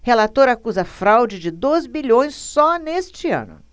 relator acusa fraude de dois bilhões só neste ano